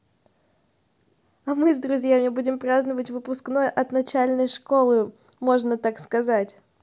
а мы с друзьями будем праздновать выпускной от начальной школы можно так сказать